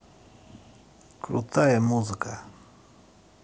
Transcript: крутая музыка